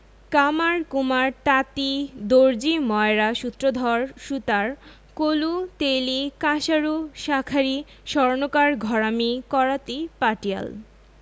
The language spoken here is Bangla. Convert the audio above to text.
কামার কুমার তাঁতি দর্জি ময়রা সূত্রধর সুতার কলু তেলী কাঁসারু শাঁখারি স্বর্ণকার ঘরামি করাতি পাটিয়াল